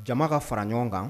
Jama ka fara ɲɔgɔn kan